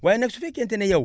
waaye nag su fekkente ne yow